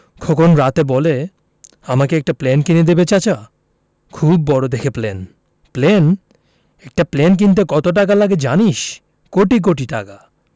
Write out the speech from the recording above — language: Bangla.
খোকন রাতে বলে আমাকে একটা প্লেন কিনে দিবে চাচা খুব বড় দেখে প্লেন প্লেন একটা প্লেন কিনতে কত টাকা লাগে জানিস কোটি কোটি টাকা